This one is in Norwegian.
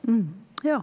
ja.